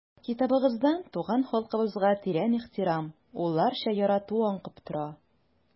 Китабыгыздан туган халкыбызга тирән ихтирам, улларча ярату аңкып тора.